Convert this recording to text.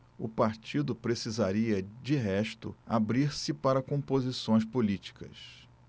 o partido precisaria de resto abrir-se para composições políticas